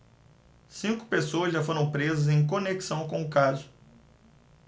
cinco pessoas já foram presas em conexão com o caso